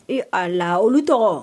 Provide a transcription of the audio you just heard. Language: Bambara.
Ee a la olu tɔgɔ